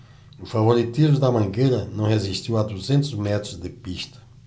o favoritismo da mangueira não resistiu a duzentos metros de pista